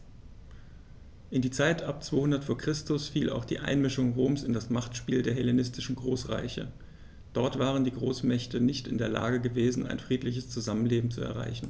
In die Zeit ab 200 v. Chr. fiel auch die Einmischung Roms in das Machtspiel der hellenistischen Großreiche: Dort waren die Großmächte nicht in der Lage gewesen, ein friedliches Zusammenleben zu erreichen.